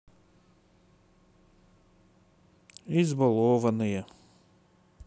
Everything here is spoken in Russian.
избалованные